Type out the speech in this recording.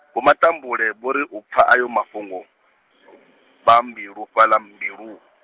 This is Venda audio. Vho Matambule vho ri u pfa ayo mafhungo , vho bilufhala mbilu.